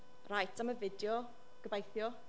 Right, dyma fideo. Gobeithio.